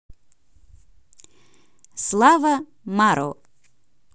слава maro